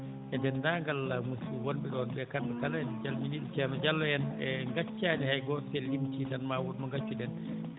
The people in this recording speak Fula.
e denndaangal * wonɓe ɗoɓe kamɓe kala en calminii ɓe ceerno Diallo en e ngaccaani hay gooto so en limtii tan maa won mo ngaccuɗen